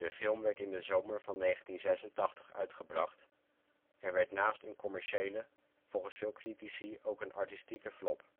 film werd in de zomer van 1986 uitgebracht en werd naast een commerciële volgens veel critici, ook een artistieke flop